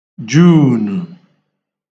Juunù